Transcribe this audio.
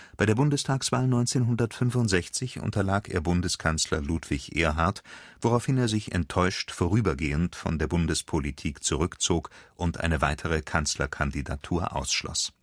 Bundestagswahl 1965 unterlag er Bundeskanzler Ludwig Erhard, woraufhin er sich enttäuscht vorübergehend von der Bundespolitik zurückzog und eine weitere Kanzlerkandidatur ausschloss